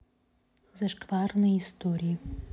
зашкварные истории